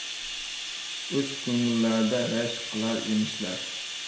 o'z ko'ngillarida rashk qilar emishlar